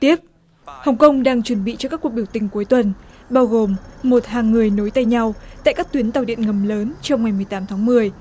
tiếp hong coong đang chuẩn bị cho các cuộc biểu tình cuối tuần bao gồm một hàng người nối tay nhau tại các tuyến tàu điện ngầm lớn chiều ngày mười tám tháng mười